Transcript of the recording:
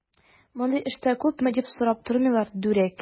Мондый эштә күпме дип сорап тормыйлар, дүрәк!